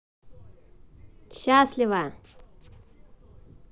счастлива